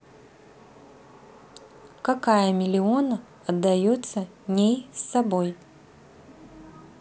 какая миллиона отдается ней с собой